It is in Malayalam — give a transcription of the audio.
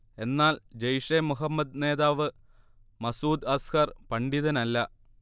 എന്നാൽ ജയ്ഷെ മുഹമ്മദ് നേതാവ് മസ്ഊദ് അസ്ഹർ പണ്ഡിതനല്ല